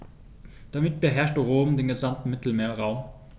Damit beherrschte Rom den gesamten Mittelmeerraum.